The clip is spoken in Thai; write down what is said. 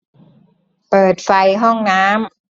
เปิดไฟห้องน้ำ